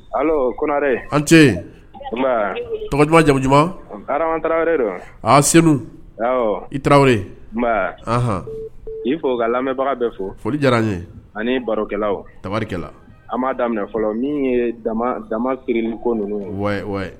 Kore an cɛ duman jamu dumanuma ara tarawelere don aa sen i tarawelere nba anhan i fɔ ka lamɛnbaga bɛ fɔ foli diyara n ye ani barorokɛlaw tarikɛla an b'a daminɛ fɔlɔ min ye dama siri ko ninnu